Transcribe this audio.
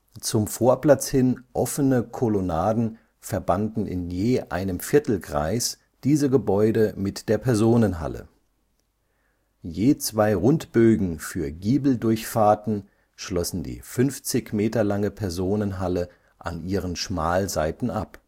Zum Vorplatz hin offene Kolonnaden verbanden in je einem Viertelkreis diese Gebäude mit der Personenhalle. Je zwei Rundbögen für Giebeldurchfahrten schlossen die 50 Meter lange Personenhalle an ihren Schmalseiten ab